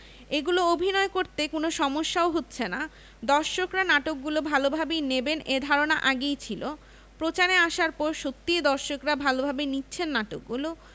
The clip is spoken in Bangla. এগুলোতে অভিনয় করতে কোনো সমস্যাও হচ্ছে না দর্শকরা নাটকগুলো ভালোভাবেই নেবেন এ ধারণা আগেই ছিল প্রচারে আসার পর সত্যিই দর্শকরা ভালোভাবে নিচ্ছেন নাটকগুলো